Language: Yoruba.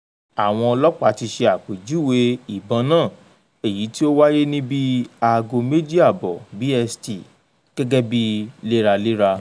Àwọn ọlọ́pàá ti ṣe àpèjúwe ìbọn náà, èyí tí ó wáyé ní bíi 02:30 BST, gẹ́gẹ́bí "léraléra".